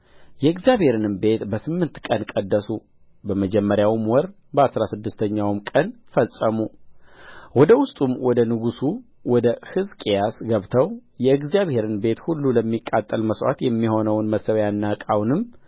የእግዚአብሔርንም ቤት በስምንት ቀን ቀደሱ በመጀመሪያውም ወር በአሥራ ስድስተኛው ቀን ፈጸሙ ወደ ውስጡም ወደ ንጉሡ ወደ ሕዝቅያስ ገብተው የእግዚአብሔርን ቤት ሁሉ ለሚቃጠል መስዋዕት የሚሆነውን መሠዊያና ዕቃውንም